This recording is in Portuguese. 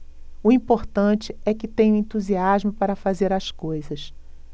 o importante é que tenho entusiasmo para fazer as coisas